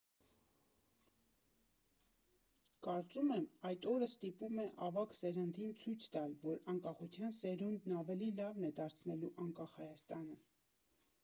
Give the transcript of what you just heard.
Կարծում եմ՝ այդ օրը ստիպում է ավագ սերնդին ցույց տալ, որ անկախության սերունդն ավելի լավն է դարձնելու Անկախ Հայաստանը։